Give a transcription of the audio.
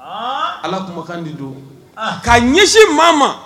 Ala kumakan de don k'a ɲɛsin maa ma